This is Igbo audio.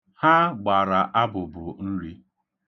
Ha gbara abụbụ nri.